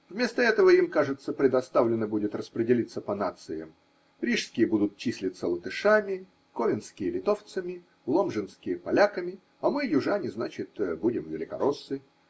Вместо этого им, кажется, предоставлено будет распределиться по нациям: рижские будут числиться латышами, ковенские литовцами, ломжинские поляками, а мы, южане, значит, будем великороссы.